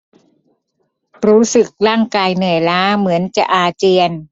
รู้สึกร่างกายเหนื่อยล้าเหมือนจะอาเจียน